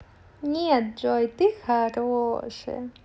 нет джой ты хорошая